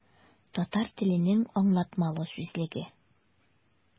Татар теленең аңлатмалы сүзлеге.